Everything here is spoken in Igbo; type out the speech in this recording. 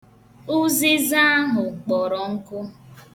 Ụzịza ahụ kpọrọ nkụ.